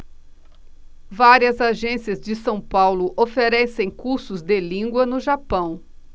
várias agências de são paulo oferecem cursos de língua no japão